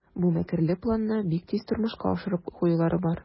Бу мәкерле планны бик тиз тормышка ашырып куюлары бар.